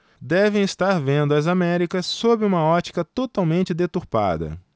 devem estar vendo as américas sob uma ótica totalmente deturpada